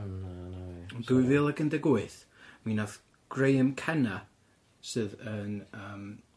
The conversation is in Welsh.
Hmm. Na, na fi. Yn dwy fil ac un deg wyth, mi wnath Graham Kenna, sydd yn yym